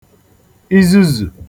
izuzù